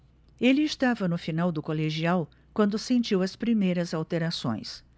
ele estava no final do colegial quando sentiu as primeiras alterações